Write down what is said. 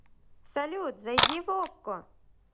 салют зайди в okko